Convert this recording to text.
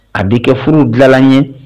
A bɛ kɛ furu dilanlan n ye